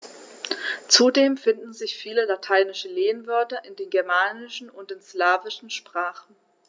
Zudem finden sich viele lateinische Lehnwörter in den germanischen und den slawischen Sprachen.